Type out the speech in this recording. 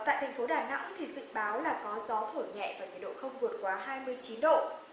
tại thành phố đà nẵng thì dự báo là có gió thổi nhẹ ở nhiệt độ không vượt quá hai mươi chín độ